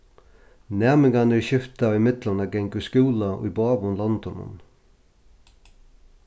næmingarnir skifta ímillum at ganga í skúla í báðum londunum